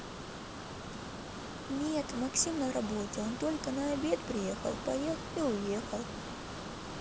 нет максим на работе он только на обед приехал поел и уехал